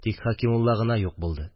Тик Хәкимулла гына юк булды